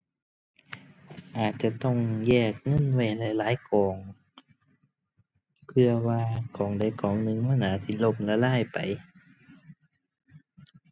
อาจจะต้องแยกเงินไว้หลายหลายกอง เพื่อว่ากองใดกองหนึ่งมันอาจสิล้มละลายไป